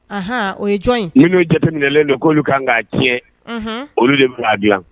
O ye jɔn ye n'o jateminɛlen don k'olu kan k'a tiɲɛ olu de b'a dilan